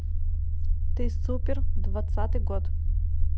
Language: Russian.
ты супер двадцатый год